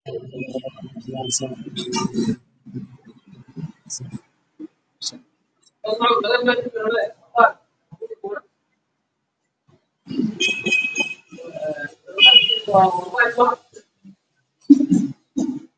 Waa gacan dumar ah waxaa marsan cillan